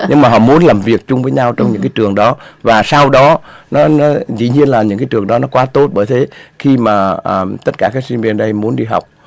nhưng mà họ muốn làm việc chung với nhau trong những thị trường đó và sau đó nó nó dĩ nhiên là những cái trường đó là quá tốt bởi thế khi mà ờ tất cả các sinh viên đây muốn đi học